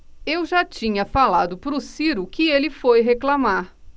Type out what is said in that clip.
eu já tinha falado pro ciro que ele foi reclamar